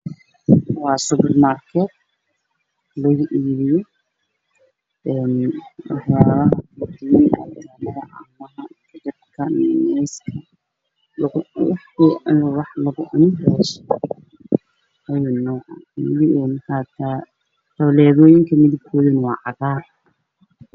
Meeshaan waa suburmarkat lugu iibiyo waxyaalaha sida cabitaanada, miyuneyska, kajabka iskifaalooyin midabkoodu waa cadaan.